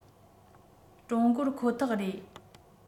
ཀྲུང གོར ཁོ ཐག རེད